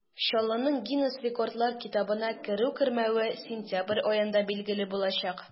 Чаллының Гиннес рекордлар китабына керү-кермәве сентябрь аенда билгеле булачак.